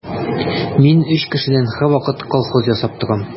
Мин өч кешедән һәрвакыт колхоз ясап торам.